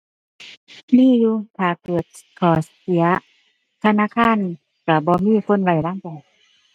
มีอยู่ ถ้าเกิดข้อเสีย ธนาคารก็บ่มีคนไว้วางใจ